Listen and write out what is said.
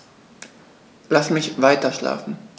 Lass mich weiterschlafen.